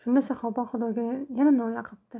shunda saxoba xudoga yana nola qipti